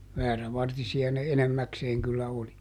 väärävartisia ne enimmäkseen kyllä oli